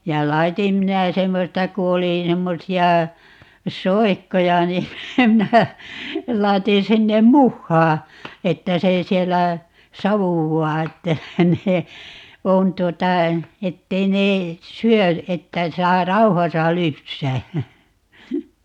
ja laitoin minä semmoista kun oli semmoisia soikkoja niin minä laitoin sinne muhaa että se siellä savuaa että ne on tuota että ei ne syö että saa rauhassa lypsää